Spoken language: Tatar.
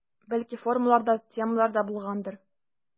Бәлки формалар да, темалар да булгандыр.